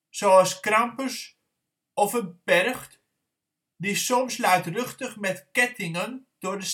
zoals Krampus of een Percht, die soms luidruchtig met kettingen door